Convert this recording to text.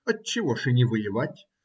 Отчего ж и не воевать?